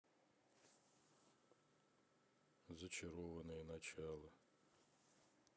зачарованные начало